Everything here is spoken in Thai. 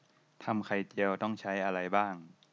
ทำไข่เจียวต้องใช้อะไรบ้าง